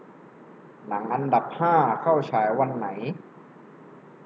หนังอันดับห้าเข้าฉายวันไหน